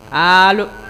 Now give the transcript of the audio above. Allo?.